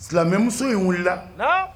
Silamɛmuso in wulila